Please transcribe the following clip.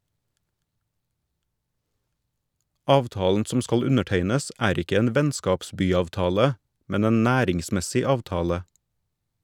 Avtalen som skal undertegnes er ikke en vennskapsbyavtale, men en næringsmessig avtale.